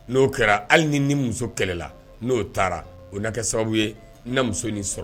N'o kɛra hali ni ni muso kɛlɛla n'o taara o na kɛ sababu ye na muso nin sɔrɔ